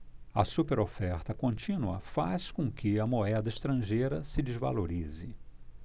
a superoferta contínua faz com que a moeda estrangeira se desvalorize